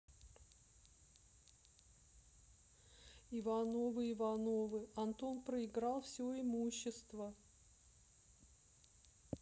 ивановы ивановы антон проиграл все имущество